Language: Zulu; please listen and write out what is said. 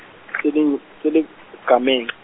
selig- seli- seligamenxe.